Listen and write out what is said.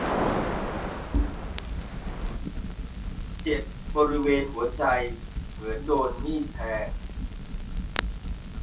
เจ็บบริเวณหัวใจเหมือนโดนมีดแทง